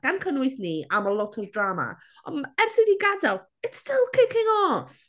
gan cynnwys ni am y lot o'r drama. Ond m- ers iddi gadael it's still kicking off.